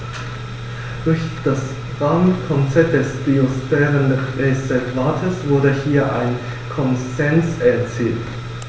Durch das Rahmenkonzept des Biosphärenreservates wurde hier ein Konsens erzielt.